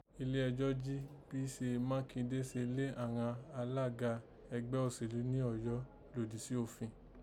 Ilé ẹjọ́ jí bíse Mákindé se lé àghan alága ẹgbẹ́ òsèlú ni Ọ̀yọ́ lòdì sí òfin